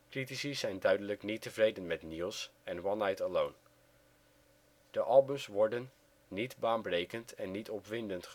Critici zijn duidelijk niet tevreden met N.E.W.S. en One Nite Alone. De albums worden ' niet baanbrekend en niet opwindend